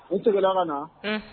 N sigilen ka na